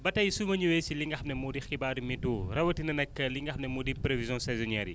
ba tey su ma ñëwee si li nga xam ne moo di xibaaru météo rawatina nag li nga xam ni moo di prévision saisonnière yi